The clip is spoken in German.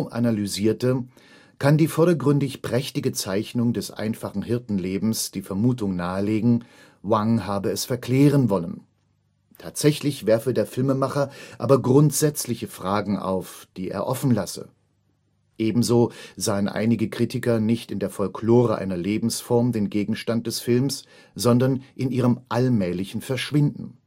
analysierte, kann die vordergründig prächtige Zeichnung des einfachen Hirtenlebens die Vermutung nahelegen, Wang habe es verklären wollen. Tatsächlich werfe der Filmemacher aber grundsätzliche Fragen auf, die er offen lasse. Ebenso sahen einige Kritiker nicht in der Folklore einer Lebensform den Gegenstand des Films, sondern in ihrem allmählichen Verschwinden